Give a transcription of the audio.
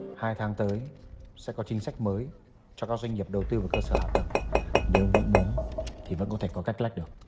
hai tháng tới sẽ có chính sách mới cho các doanh nghiệp đầu tư vào cơ sở hạ tầng nếu vẫn muốn thì vẫn có thể có cách lách được